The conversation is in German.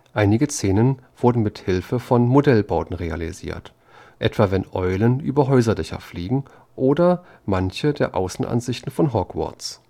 Einige Szenen wurden mithilfe von Modellbauten realisiert, etwa wenn Eulen über Hausdächer fliegen oder manche der Außenansichten von Hogwarts